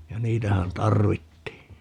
ja niitähän tarvittiin